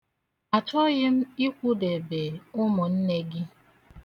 Achọghị m ịkwụdebe ụmụnne gị.